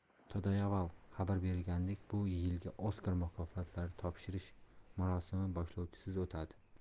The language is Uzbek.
todayavval xabar berilganidek bu yilgi oskar mukofotlari topshirish marosimi boshlovchisiz o'tadi